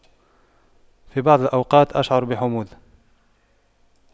في بعض الأوقات أشعر بحموض